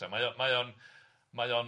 Mae o mae o'n mae o'n